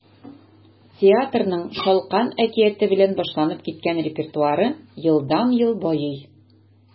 Театрның “Шалкан” әкияте белән башланып киткән репертуары елдан-ел байый.